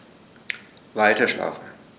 Weiterschlafen.